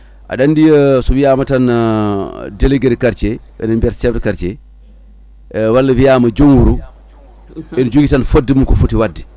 aɗa andi sowiyama tan délégué de quartier enen mbiyata chef de quartier e walla wiyama joom wuuro ene jogui tan fodde mum ko foti wadde